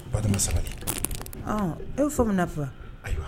Ba sabali e fa min na fɔ ayiwa